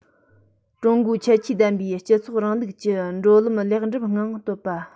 ཀྲུང གོའི ཁྱད ཆོས ལྡན པའི སྤྱི ཚོགས རིང ལུགས ཀྱི འགྲོ ལམ ལེགས འགྲུབ ངང གཏོད པ